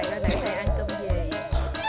ăn